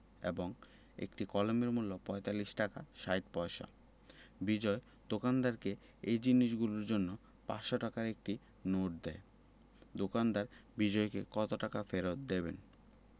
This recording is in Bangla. এবং একটি কলমের মূল্য ৪৫ টাকা ৬০ পয়সা বিজয় দোকানদারকে এই জিনিসগুলোর জন্য ৫০০ টাকার একটি নোট দেয় দোকানদার বিজয়কে কত টাকা ফেরত দেবেন